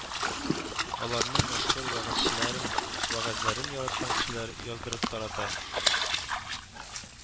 Аларны мәшһүр вәгазьчеләрен вәгазьләрен яраткан кешеләр яздырып тарата